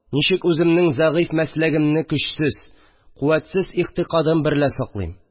Ничек үземнең зәгыйфь мәсләгемне көчсез, куәтсез игътикадым берлә саклыйм